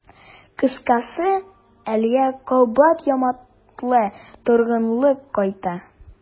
Кыскасы, илгә кабат яманатлы торгынлык кайта.